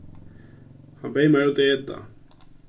hann beyð mær út at eta